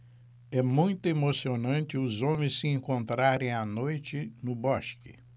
é muito emocionante os homens se encontrarem à noite no bosque